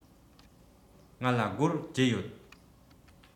ང ལ སྒོར བརྒྱད ཡོད